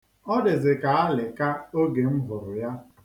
Ọ dịzị ka alịka oge m hụrụ ya.